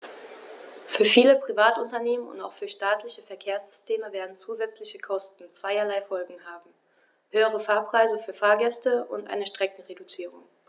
Für viele Privatunternehmen und auch für staatliche Verkehrssysteme werden zusätzliche Kosten zweierlei Folgen haben: höhere Fahrpreise für Fahrgäste und eine Streckenreduzierung.